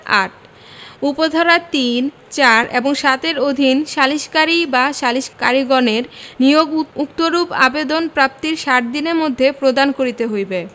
৮ উপ ধারা ৩ ৪ এবং ৭ এর অধীন সালিসকারী বা সালিসকারীগণের নিয়োগ উক্তরূপ আবেদন প্রাপ্তির ষাট দিনের মধ্যে প্রদান করিতে হইবে